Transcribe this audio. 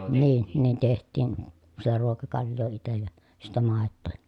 niin niin tehtiin sitä ruokakaljaa itse ja sitten maitoa ja